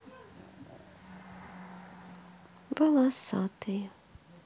педрило волосатое